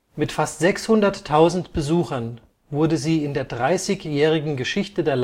Mit fast 600.000 Besuchern wurde sie in der 30-jährigen Geschichte der